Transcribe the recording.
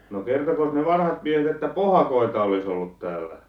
no kertoikos ne vanhat miehet että pohakoita olisi ollut täällä